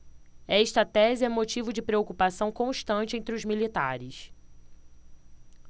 esta tese é motivo de preocupação constante entre os militares